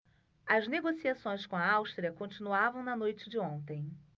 as negociações com a áustria continuavam na noite de ontem